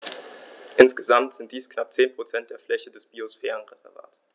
Insgesamt sind dies knapp 10 % der Fläche des Biosphärenreservates.